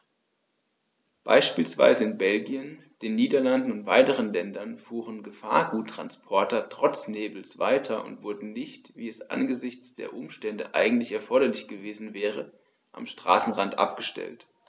Beispielsweise in Belgien, den Niederlanden und weiteren Ländern fuhren Gefahrguttransporter trotz Nebels weiter und wurden nicht, wie es angesichts der Umstände eigentlich erforderlich gewesen wäre, am Straßenrand abgestellt.